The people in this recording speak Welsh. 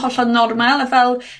hollol normal a fel